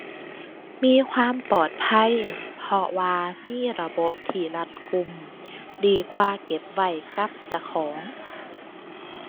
มีความปลอดภัย เพราะว่ามีระบบที่รัดกุม ดีกว่าเก็บไว้กับเจ้าของ